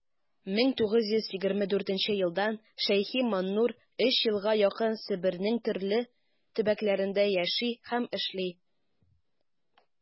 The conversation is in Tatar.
1924 елдан ш.маннур өч елга якын себернең төрле төбәкләрендә яши һәм эшли.